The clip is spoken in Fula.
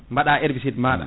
baɗa herbicide maɗa